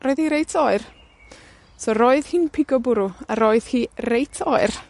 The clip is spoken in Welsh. roedd 'i reit oer. So roedd hi'n pigo bwrw, a roedd hi reit oer.